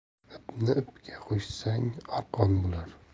ipni ipga qo'shsang arqon bo'lar